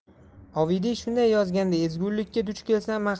ovidiy shunday yozgandi ezgulikka duch kelsam